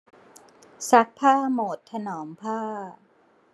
ซักผ้าโหมดถนอมผ้า